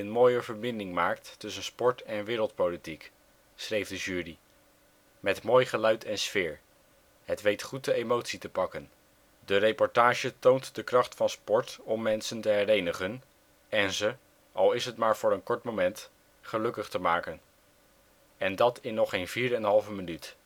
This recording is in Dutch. mooie verbinding maakt tussen sport en wereldpolitiek ", schreef de jury. " Met mooi geluid en sfeer. Het weet goed de emotie te pakken. De reportage toont de kracht van sport om mensen te herenigen en ze, al is het maar voor een kort moment, gelukkig te maken. En dat in nog geen vierenhalve minuut